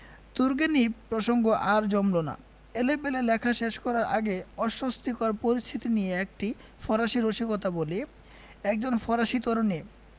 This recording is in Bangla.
তুর্গেনিভ প্রসঙ্গ আর জমল না এলেবেলে লেখা শেষ করার আগে অস্বস্তিকর পরিস্থিতি নিয়ে একটি ফরাসি রসিকতা বলি একজন ফরাসি তরুণী